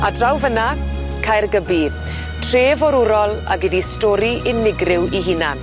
A draw fyna, Caergybi, tre forwrol ag iddi sdori unigryw i hunan.